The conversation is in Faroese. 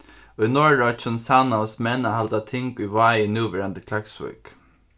í norðuroyggjum savnaðust menn at halda ting í vági núverandi klaksvík